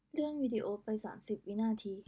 เลื่อนวีดีโอไปสามสิบวินาที